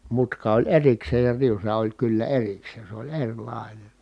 mutka oli erikseen ja riusa oli kyllä erikseen se oli erilainen